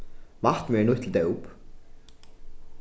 vatn verður nýtt til dóp